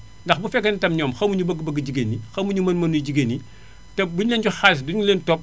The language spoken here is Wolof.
ndax bu fekkee ne tam ñoom xamuñu bëgg bëggu jigéen ñi xamuñu mën-mënu jigéen ñi te bu ñu leen joxee xaalis du ñu leen topp